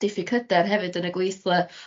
diffyg hyder hefyd yn y gweithle.